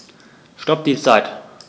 Stopp die Zeit